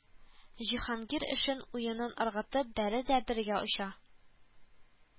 Җиһангир эшен, уенын ыргытып бәрә дә бергә оча